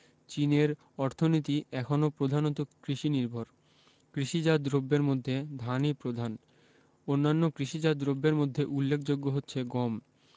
চীনের অর্থনীতি এখনো প্রধানত কৃষিনির্ভর কৃষিজাত দ্রব্যের মধ্যে ধানই প্রধান অন্যান্য কৃষিজাত দ্রব্যের মধ্যে উল্লেখযোগ্য হচ্ছে গম